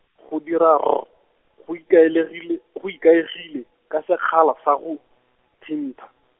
go dira R, go ikaelegile, go ikaegile, ka sekgala sa go, thintha.